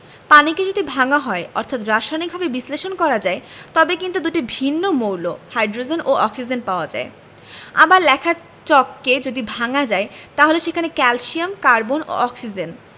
পানিকে যদি ভাঙা হয় অর্থাৎ রাসায়নিকভাবে বিশ্লেষণ করা যায় তবে কিন্তু দুটি ভিন্ন মৌল হাইড্রোজেন ও অক্সিজেন পাওয়া যায় আবার লেখার চককে যদি ভাঙা যায় তাহলে সেখানে ক্যালসিয়াম কার্বন ও অক্সিজেন